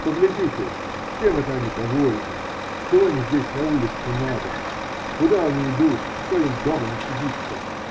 Поглядите: чем это они довольны? Чего им здесь на улице надо? Куда они идут? Что им дома не сидится?